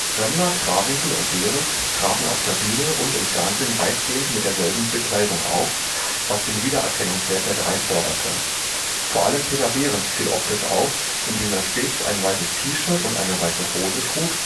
Remmler, Krawinkel und Behrens traten auf der Bühne und im Fernsehen weitgehend mit derselben Kleidung auf, was den Wiedererkennungswert der Drei förderte. Vor allem Peter Behrens fiel optisch auf, indem er stets ein weißes T-Shirt und eine weiße Hose trug